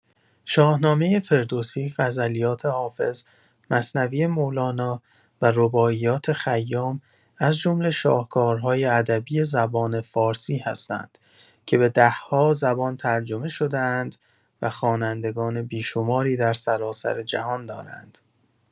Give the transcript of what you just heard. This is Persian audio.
شاهنامه فردوسی، غزلیات حافظ، مثنوی مولانا و رباعیات خیام از جمله شاهکارهای ادبی زبان فارسی هستند که به ده‌ها زبان ترجمه شده‌اند و خوانندگان بی‌شماری در سراسر جهان دارند.